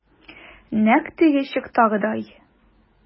Нәкъ теге чактагыдай.